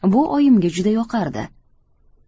bu oyimga juda yoqardi